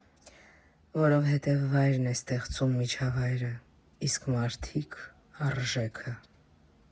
Որովհետև վայրն է ստեղծում միջավայրը, իսկ մարդիկ՝ արժեքը։